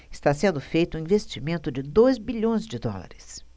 está sendo feito um investimento de dois bilhões de dólares